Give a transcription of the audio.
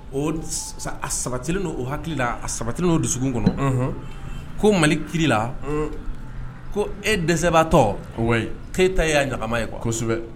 O a sabati don o hakilila a sabati' dusu kɔnɔ ko mali kila ko e dɛsɛ b'atɔ keyita y'a ɲama ye